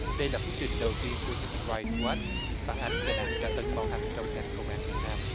đây là phúc trình đầu tiên của hiu mần roai goát phản ánh về nạn tra tấn bạo hành trong ngành công an việt nam